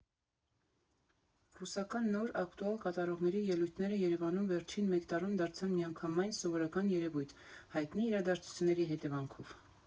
Ռուսական նոր, ակտուալ կատարողների ելույթները Երևանում վերջին մեկ տարում դարձան միանգամայն սովորական երևույթ՝ հայտնի իրադարձությունների հետևանքով։